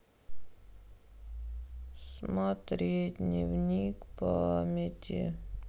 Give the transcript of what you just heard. смотреть дневник памяти